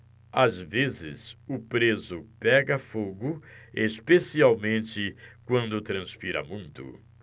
às vezes o preso pega fogo especialmente quando transpira muito